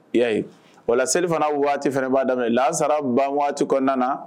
I y yaa wala selifana waati fɛrɛ bbaa daminɛ lasara ban waati kɔnɔna na